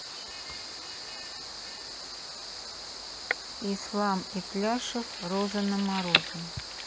ислам итляшев роза на морозе